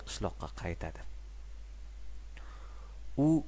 qishloqqa qaytadi